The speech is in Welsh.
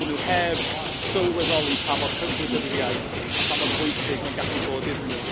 Bod nhw heb sylweddoli pa mor hyfryd ydy'r iaith, a pa mor bwysig ma'n gallu bod iddyn nhw.